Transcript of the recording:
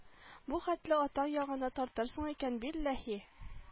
Бу хәтле атаң ягына тартырсың икән билләһи